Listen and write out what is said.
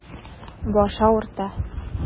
Баш авырта.